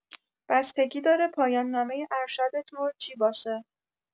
بستگی داره پایان‌نامه ارشدت رو چی باشه